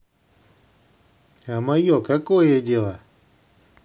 а мое какое дело